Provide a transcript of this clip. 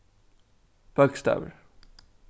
bókstavir